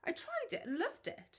I tried it and loved it.